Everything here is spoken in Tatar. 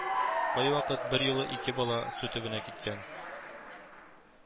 Кайвакыт берьюлы ике бала су төбенә киткән